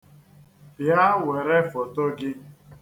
Bịa were foto gị.